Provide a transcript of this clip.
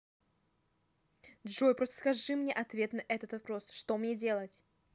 джой просто скажи мне ответ на этот вопрос что мне делать